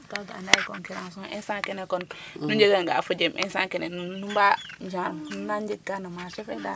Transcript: kaaga anda ye concurence o instant kene kon nu njegangaa fo jem instant nuun nu mba genre nuna njeg ka marché fe dal.